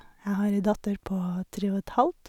Jeg har ei datter på tre og et halvt.